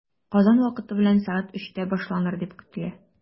Казан вакыты белән сәгать өчтә башланыр дип көтелә.